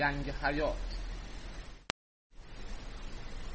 yangi hayot